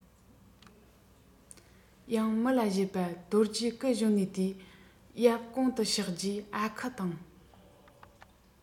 ཡང མི ལ བཞད པ རྡོ རྗེ སྐུ གཞོན ནུའི དུས ཡབ གུང དུ གཤེགས རྗེས ཨ ཁུ དང